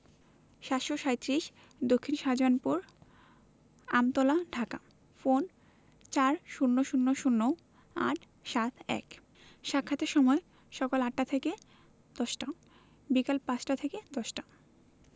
৭৩৭ দক্ষিন শাহজাহানপুর আমতলা ধাকা ফোনঃ ৪০০০৮৭১ সাক্ষাতের সময়ঃসকাল ৮টা থেকে ১০টা - বিকাল ৫টা থেকে ১০টা